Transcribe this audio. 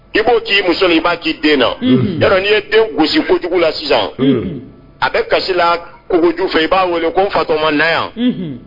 I b'o k' i musosonin i b'a den na ya n ii ye den gosi kojugu la sisan a bɛ kasi la kogojufɛ i b'a weele ko n fatoma na yan